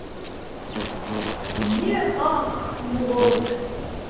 мне oohmygod